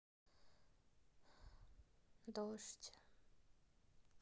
дождь